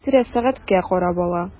Ара-тирә сәгатькә карап ала.